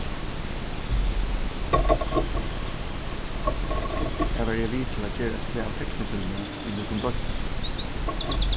har var eg við til at gera eitt slag av teknifilmi við nøkrum børnum